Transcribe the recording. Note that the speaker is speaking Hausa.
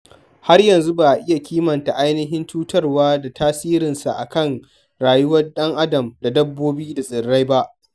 Har yanzu ba iya kimanta ainihin cutarwa da tasirinsa a kan rayuwar ɗan-adam da dabbobi da tsirrai ba.